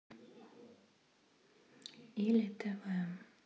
или тв